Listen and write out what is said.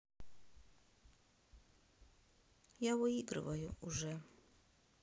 я выигрываю уже